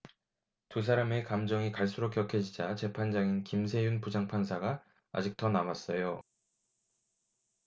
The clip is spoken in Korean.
두 사람의 감정이 갈수록 격해지자 재판장인 김세윤 부장판사가 아직 더 남았어요